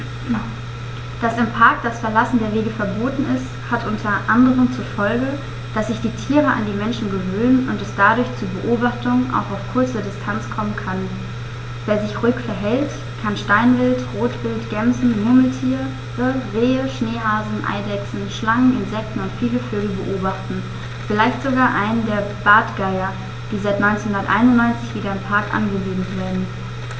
Dass im Park das Verlassen der Wege verboten ist, hat unter anderem zur Folge, dass sich die Tiere an die Menschen gewöhnen und es dadurch zu Beobachtungen auch auf kurze Distanz kommen kann. Wer sich ruhig verhält, kann Steinwild, Rotwild, Gämsen, Murmeltiere, Rehe, Schneehasen, Eidechsen, Schlangen, Insekten und viele Vögel beobachten, vielleicht sogar einen der Bartgeier, die seit 1991 wieder im Park angesiedelt werden.